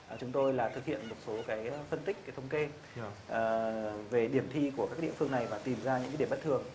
chúng tôi là thực hiện một số cái phân tích cái thống kê ờ về điểm thi của các cái địa phương này và tìm ra những cái điểm bất thường